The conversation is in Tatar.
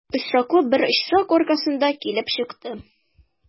Очраклы бер очрак аркасында килеп чыкты.